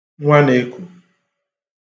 nwanēkù